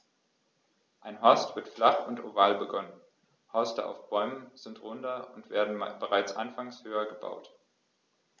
Ein Horst wird flach und oval begonnen, Horste auf Bäumen sind runder und werden bereits anfangs höher gebaut.